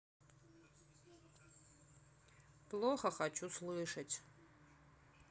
плохо хочу слышать